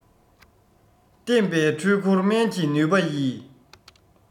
གཏེམ པའི འཁྲུལ འཁོར སྨན གྱི ནུས པ ཡིས